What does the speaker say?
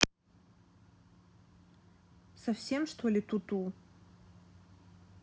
совсем что ли туту